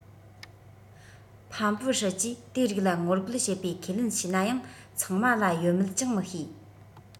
ཕམ པུའུ ཧྲི ཀྱི དེ རིགས ལ ངོ རྒོལ བྱེད པའི ཁས ལེན བྱས ན ཡང ཚང མ ལ ཡོད མེད ཀྱང མི ཤེས